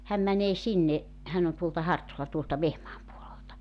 hän menee sinne hän on tuolta Hartolan tuolta Vehmaan puolelta